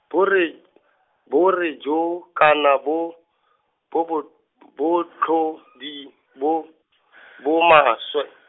borre , borre jo kana bo, bobo, b- botlhodi bo, bo maswe.